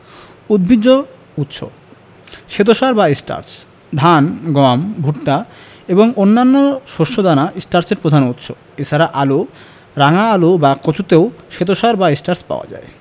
উদ্ভিজ্জ উৎস শ্বেতসার বা স্টার্চ ধান গম ভুট্টা এবং অন্যান্য শস্য দানা স্টার্চের প্রধান উৎস এছাড়া আলু রাঙা আলু বা কচুতেও শ্বেতসার বা স্টার্চ পাওয়া যায়